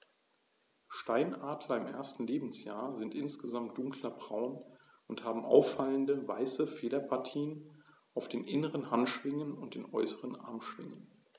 Steinadler im ersten Lebensjahr sind insgesamt dunkler braun und haben auffallende, weiße Federpartien auf den inneren Handschwingen und den äußeren Armschwingen.